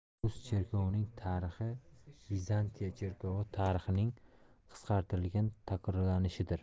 rus cherkovining tarixi vizantiya cherkovi tarixining qisqartirilgan takrorlanishidir